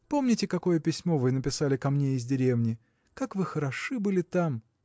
помните, какое письмо вы написали ко мне из деревни? Как вы хороши были там!